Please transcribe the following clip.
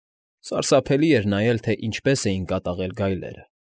Սարսափելի էր նայել, թե ինչպես էին կատաղել գայլերը։